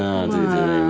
Na dydi o ddim.